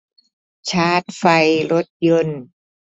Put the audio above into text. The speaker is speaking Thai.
ชาร์จไฟรถยนต์